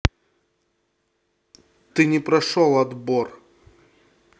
ты не прошел отбор